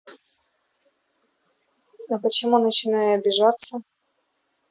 а почему начинаю обижаться